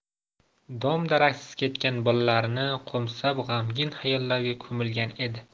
dom daraksiz ketgan bolalarini qo'msab g'amgin xayollarga ko'milgan edi